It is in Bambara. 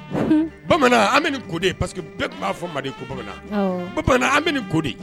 Bamanan an bɛ ko pa que bɛɛ tun b'a fɔ manden ko bamanan bamanan an bɛ kodi